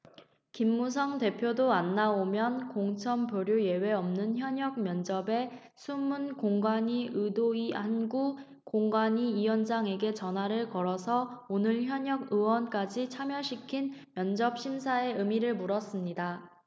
김무성 대표도 안 나오면 공천 보류 예외 없는 현역 면접에 숨은 공관위 의도이한구 공관위원장에게 전화를 걸어서 오늘 현역 의원까지 참여시킨 면접심사의 의미를 물었습니다